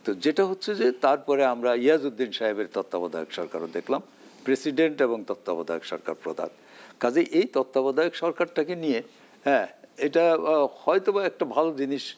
তো যেটি হচ্ছে যে তারপরে আমরা ইয়াজ উদ্দিন সাহেবের তত্ত্বাবধায়ক সরকার ও দেখলাম প্রেসিডেন্ট এবং তত্ত্বাবধায়ক সরকার প্রধান কাজেই এই তত্ত্বাবধায়ক সরকার টাকে নিয়ে এটা হয়তোবা একটা ভালো জিনিস